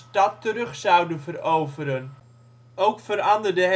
terug zouden veroveren. Ook veranderde